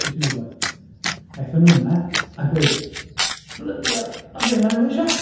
Pwy sy'n gwybod? Aethon nhw yna a gweud "Bloody hell, mae'r lle 'ma'n newid siap!"